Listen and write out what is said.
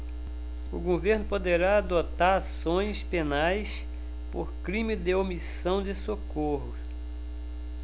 o governo poderá adotar ações penais por crime de omissão de socorro